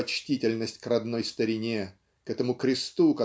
почтительность к родной старине к этому кресту